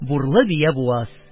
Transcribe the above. Бурлы бия буаз.